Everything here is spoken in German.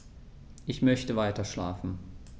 Ich möchte weiterschlafen.